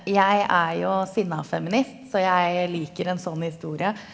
jeg er jo sinnafeminist så jeg liker en sånn historie.